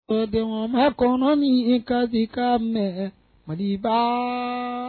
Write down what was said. Dendenwɔgɔma kɔnɔ min ka fisa ka mɛn mali ba